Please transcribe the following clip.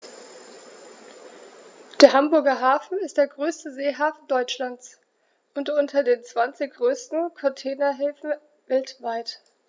Der Hamburger Hafen ist der größte Seehafen Deutschlands und unter den zwanzig größten Containerhäfen weltweit.